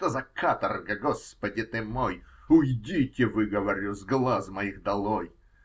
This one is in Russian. Что за каторга, Господи ты мой, -- уйдите вы, говорю, с глаз моих долой!